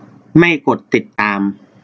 ไม่กดติดตาม